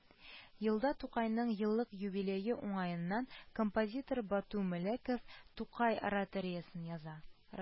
Елда тукайның еллык юбилее уңаеннан композитор бату мөлеков «тукай» ораториясен яза